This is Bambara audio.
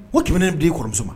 O tɛmɛn bɛen di kɔrɔmuso ma